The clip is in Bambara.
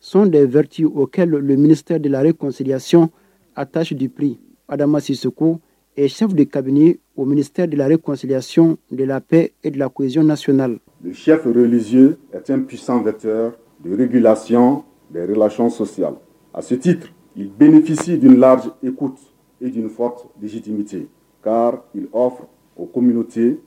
Son de vɛrɛriti o kɛlen minisaya de lare kɔsiyasi a tasidip adama adamamasise ko ɛ safu de kabini o minisa dere cosiyay de lap e la kosionnasna la si ze a tɛp sanfɛfɛte duuru dilanlasiylacon sɔsiya a seti bin kisisi laati iko edfasitimite k ka o ko mite